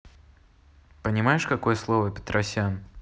понимаешь какое слово петросян